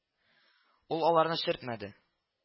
Ул аларны сөртмәде